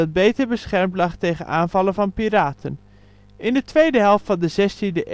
beter beschermd lag tegen aanvallen van piraten. In de tweede helft van de zestiende